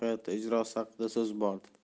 mohiyati ijrosi haqida so'z bordi